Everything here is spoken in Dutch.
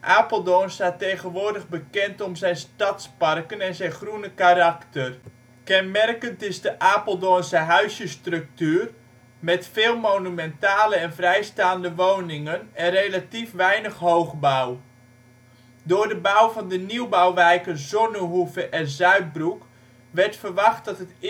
Apeldoorn staat tegenwoordig bekend om zijn stadsparken en zijn ' groene ' karakter. Kenmerkend is de Apeldoornse huisjes-structuur, met veel monumentale en vrijstaande woningen en relatief weinig hoogbouw. Door de bouw van de nieuwbouwwijken Zonnehoeve en Zuidbroek werd verwacht dat